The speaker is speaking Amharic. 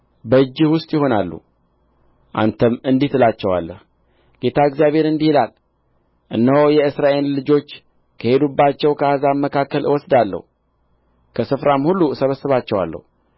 በእጅህ ውስጥ ይሆናሉ አንተም እንዲህ ትላቸዋለህ ጌታ እግዚአብሔር እንዲህ ይላል እነሆ የእስራኤልን ልጆች ከሄዱባቸው ከአሕዛብ መካከል እወስዳለሁ ከስፍራም ሁሉ እሰበስባቸዋለሁ